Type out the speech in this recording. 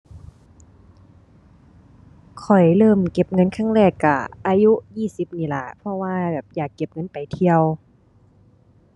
ข้อยเริ่มเก็บเงินครั้งแรกก็อายุยี่สิบนี้ล่ะ เพราะว่าแบบอยากเก็บเงินไปเที่ยว